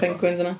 Pengwins yna?